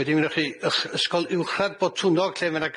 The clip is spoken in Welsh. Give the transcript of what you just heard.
Wedyn fedrwch chi ych- Ysgol Uwchradd Botwnog lle ma' 'na